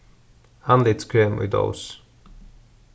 andlitskrem í dós